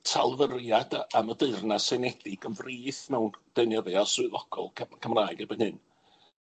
Talfyriad a- am y Deyrnas Unedig yn frith mewn deunyddia swyddogol Cy- Cymraeg erbyn hyn.